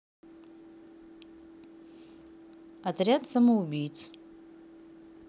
отряд самоубийц